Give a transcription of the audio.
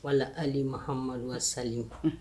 Ali mahamadu sa